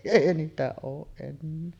ei niitä ole enää